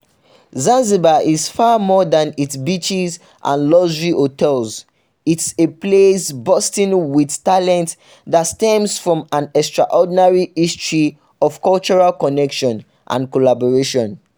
Zanzibar is far more than its beaches and luxury hotels — it’s a place bursting with talent that stems from an extraordinary history of cultural connection and collaboration.